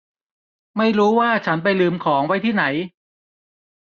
ไม่รู้ว่าฉันไปลืมของไว้ที่ไหน